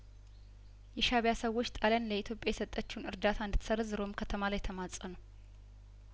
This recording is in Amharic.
የሻእቢያ ሰዎች ጣሊያን ለኢትዮጵያ የሰጠችውን እርዳታ እንድትሰርዝ ሮም ከተማ ላይ ተማጸኑ